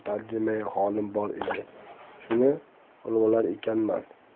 tarjimai holim bor edi shuni olvolar ekanman